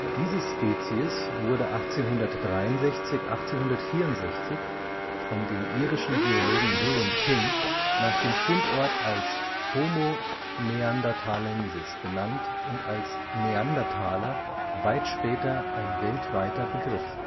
Diese Spezies wurde 1863 / 64 von dem irischen Geologen William King nach dem Fundort als Homo neanderthalensis benannt und als Neandertaler weit später ein weltweiter Begriff